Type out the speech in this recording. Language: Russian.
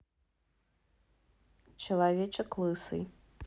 человечек лысый